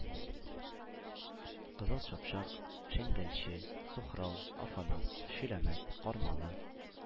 Кызыл Чапчак, Шәңгәлче, Сухрау, Афанас, Ширәмәт, Кармалы